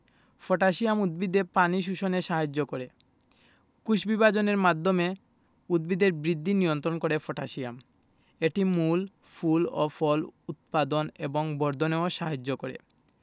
potassium উদ্ভিদে পানি শোষণে সাহায্য করে কোষবিভাজনের মাধ্যমে উদ্ভিদের বৃদ্ধি নিয়ন্ত্রণ করে পটাশিয়াম এটি মূল ফুল ও ফল উৎপাদন এবং বর্ধনেও সাহায্য করে